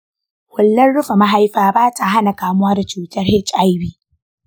hular rufe mahaifa ba ta hana kamuwa da cutar hiv.